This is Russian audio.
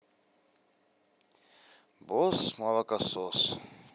босс молокосос